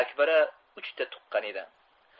aqbara uchta tuqqan edi